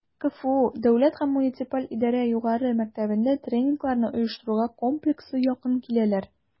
КФУ Дәүләт һәм муниципаль идарә югары мәктәбендә тренингларны оештыруга комплекслы якын киләләр: